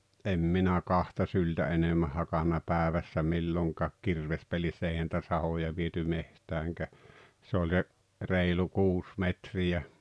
en minä kahta syltä enemmän hakannut päivässä milloinkaan kirvespelissä eihän entä sahoja viety metsäänkään se oli se reilu kuusi metriä